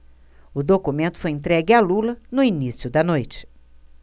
o documento foi entregue a lula no início da noite